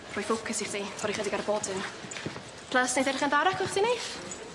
Rhoi focus i chdi, torri chydig ar y boredom. Plys neith edrych yn dda o'r acw chdi neith?